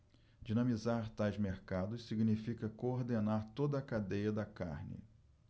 dinamizar tais mercados significa coordenar toda a cadeia da carne